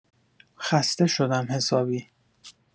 خسته شدم حسابی.